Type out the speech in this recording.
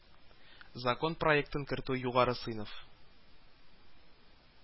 Закон проектын кертү югары сыйныф